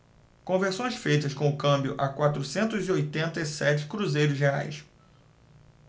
conversões feitas com câmbio a quatrocentos e oitenta e sete cruzeiros reais